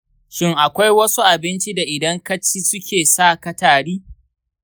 shin akwai wasu abinci da idan ka ci suke sa ka tari?